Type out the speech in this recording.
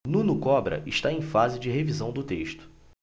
nuno cobra está em fase de revisão do texto